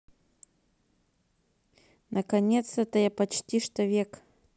наконец то то я почти что век